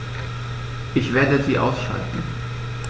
Ich werde sie ausschalten